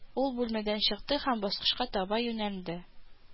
Ул бүлмәдән чыкты һәм баскычка таба юнәлде